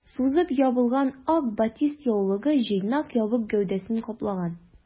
Сузып ябылган ак батист яулыгы җыйнак ябык гәүдәсен каплаган.